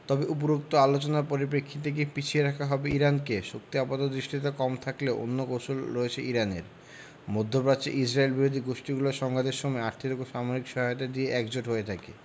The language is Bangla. তবে উপরোক্ত আলোচনার পরিপ্রেক্ষিতে কি পিছিয়ে রাখা হবে ইরানকে শক্তি আপাতদৃষ্টিতে কম থাকলেও অন্য কৌশল রয়েছে ইরানের মধ্যপ্রাচ্যে ইসরায়েলবিরোধী গোষ্ঠীগুলো সংঘাতের সময় আর্থিক ও সামরিক সহায়তা দিয়ে একজোট হয়ে থাকে